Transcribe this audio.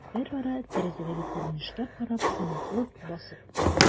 Берара, тәрәзәдәге күренешкә карап, онытылып басып торды.